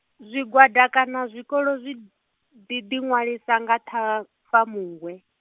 zwigwada kana zwikolo zwi, ḓi ḓi ṅwalisa nga Ṱhafamuhwe.